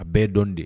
A bɛɛ dɔn de